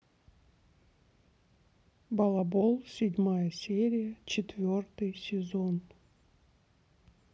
балабол седьмая серия четвертый сезон